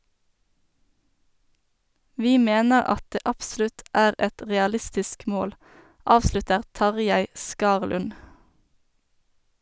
Vi mener at det absolutt er et realistisk mål, avslutter Tarjei Skarlund.